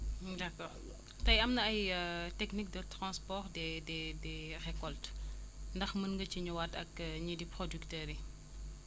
d' accord tey am na ay technique de transport des des des récoltes ndax mën nga ci ñëwaat ak ñii di producteur yi